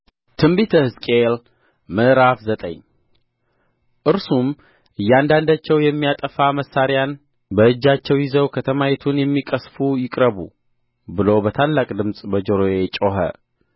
ትንቢተ ሕዝቅኤል ምዕራፍ ዘጠኝ እርሱም እያንዳንዳቸው የሚያጠፋ መሣሪያን በእጃቸው ይዘው ከተማይቱን የሚቀሥፉ ይቅረቡ ብሎ በታላቅ ድምፅ በጆሮዬ ጮኸ